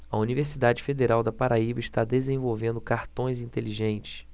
a universidade federal da paraíba está desenvolvendo cartões inteligentes